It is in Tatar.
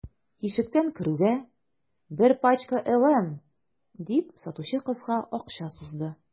Ишектән керүгә: – Бер пачка «LM»,– дип, сатучы кызга акча сузды.